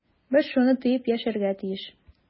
Без шуны тоеп яшәргә тиеш.